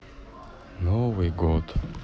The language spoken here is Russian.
новый год